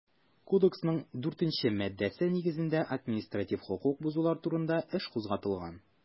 Кодексның 4 нче маддәсе нигезендә административ хокук бозулар турында эш кузгатылган.